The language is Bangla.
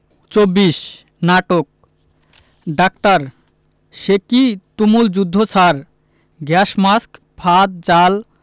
২৪ নাটক ডাক্তার সেকি তুমুল যুদ্ধ স্যার গ্যাস মাস্ক ফাঁদ জাল